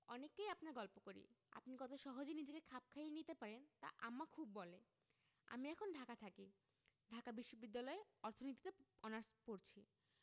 অনেককেই আপনার গল্প করি আপনি কত সহজে নিজেকে খাপ খাইয়ে নিতে পারেন তা আম্মা খুব বলে আমি এখন ঢাকা থাকি ঢাকা বিশ্ববিদ্যালয়ে অর্থনীতিতে অনার্স পরছি